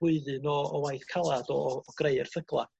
blwyddyn o o waith calad o greu erthygla